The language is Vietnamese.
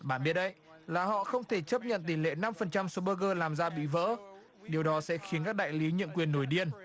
bạn biết đấy là họ không thể chấp nhận tỷ lệ năm phần trăm số bơ gơ làm ra bị vỡ điều đó sẽ khiến các đại lý nhượng quyền nổi điên